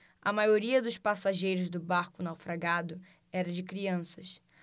a maioria dos passageiros do barco naufragado era de crianças